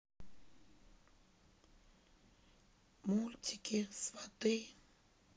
мультики сваты